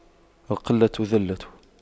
القلة ذلة